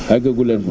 àggagu leen fa